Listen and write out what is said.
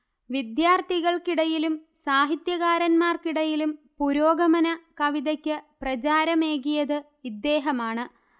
വിദ്യാർഥികൾക്കിടയിലും സാഹിത്യകാരന്മാർക്കിടയിലും പുരോഗമന കവിതയ്ക്ക് പ്രചാരമേകിയത് ഇദ്ദേഹമാണ്